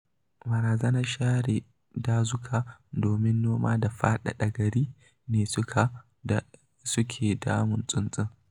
Barazanar share dazuka domin noma da kuma faɗaɗa gari ne suke damun tsuntsun.